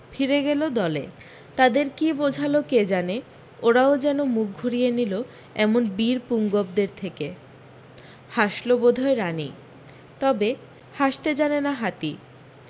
ফিরে গেল দলে তাদের কী বোঝাল কে জানে ওরাও যেন মুখ ঘুরিয়ে নিলো এমন বীর পুঙ্গবদের থেকে হাসল বোধহয় রানি তবে হাসতে জানে না হাতি